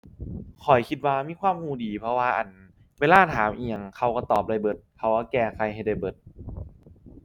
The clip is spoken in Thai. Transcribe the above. ข้อยคิดว่ามีความรู้ดี เพราะว่า อั่น เวลาถามอิหยังเขารู้ตอบได้เบิด เขารู้แก้ไขให้ได้เบิด